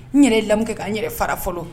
N yɛrɛ lamɛnkɛ' yɛrɛ fara fɔlɔ